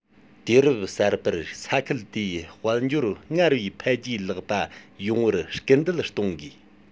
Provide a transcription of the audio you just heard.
དུས རབས གསར པར ས ཁུལ དེའི དཔལ འབྱོར སྔར བས འཕེལ རྒྱས ལེགས པ ཡོང བར སྐུལ འདེད གཏོང དགོས